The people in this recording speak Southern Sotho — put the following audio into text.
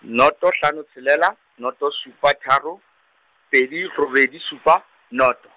noto hlano tshelela, noto supa tharo, pedi robedi supa noto.